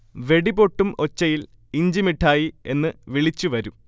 വെടിപൊട്ടും ഒച്ചയിൽ ഇഞ്ചിമിഠായി എന്ന് വിളിച്ച് വരും